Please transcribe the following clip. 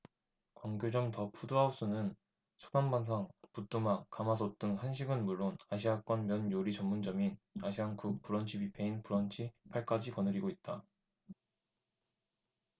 광교점 더 푸드 하우스는 소담반상 부뚜막 가마솥 등 한식은 물론 아시아권 면 요리 전문점인 아시안쿡 브런치뷔페인 브런치 팔 까지 거느리고 있다